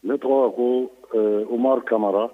Ne tɔgɔ ko umaru kamara